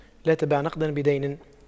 لا تبع نقداً بدين